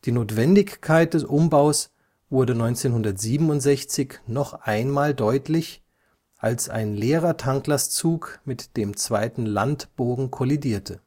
Notwendigkeit des Umbaus wurde 1967 noch einmal deutlich, als ein leerer Tanklastzug mit dem zweiten Landbogen kollidierte